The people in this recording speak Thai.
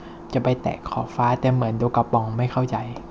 จะไปแตะขอบฟ้าแต่เหมือนโดกาปองไม่เข้าใจ